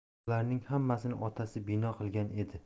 bularning hammasini otasi bino qilgan edi